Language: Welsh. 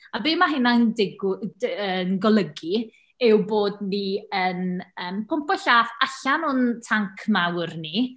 A be mae hynna'n digw- d- yn golygu yw bod ni yn yym pwmpo llaeth allan o'n tanc mawr ni...